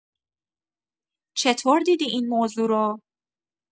چطور دیدی این موضوع رو؟